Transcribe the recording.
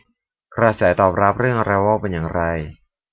กระแสตอบรับเรื่องอะไรวอลเป็นอย่างไร